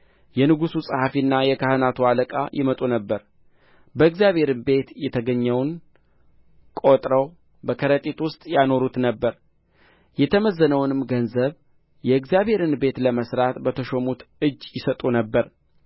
የንጉሡ ጸሐፊና የካህናቱ አለቃ ይመጡ ነበር በእግዚአብሔርም ቤት የተገኘውን ቈጥረው በከረጢት ውስጥ ያኖሩት ነበር የተመዘነውንም ገንዘብ የእግዚአብሔርን ቤት ለመሥራት በተሾሙት እጅ ይሰጡ ነበር